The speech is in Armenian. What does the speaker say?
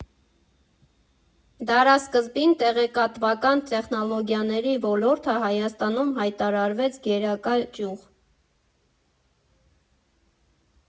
Դարասկզբին տեղեկատվական տեխնոլոգիաների ոլորտը Հայաստանում հայտարարվեց գերակա ճյուղ։